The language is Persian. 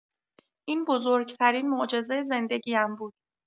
این بزرگ‌ترین معجزه زندگی‌ام بود.